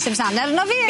'Sim sane arno fi.